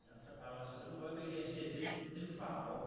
Giornata Palace, a dwi'm yn cofio be ges i, ddim ddim ffaol.